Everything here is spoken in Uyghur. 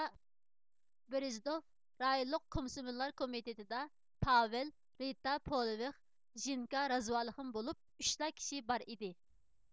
بىرىزدوف رايونلۇق كومسوموللار كومىتېتىدا پاۋېل رىتا پولېۋىخ ژېنكا رازۋالىخىن بولۇپ ئۈچلا كىشى بار ئىدى